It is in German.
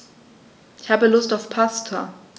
Ich habe Lust auf Pasta.